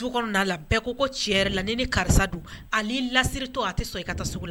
Ko cɛ la ni karisa lasiri to a tɛ i ka la